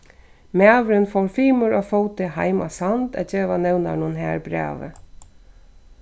maðurin fór fimur á fóti heim á sand at geva nevnaranum har brævið